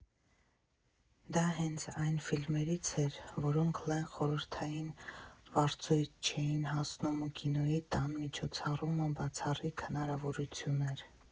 Դա հենց այն ֆիլմերից էր, որոնք լայն խորհրդային վարձույթ չէին հասնում ու Կինոյի տան միջոցառումը բացառիկ հնարավորություն էր։